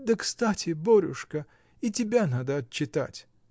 да кстати, Борюшка, и тебя надо отчитать.